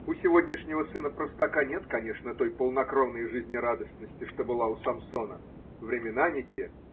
У сегодняшнего сына-простака нет, конечно, той полнокровной жизнерадостности, что была у Самсона – времена не те.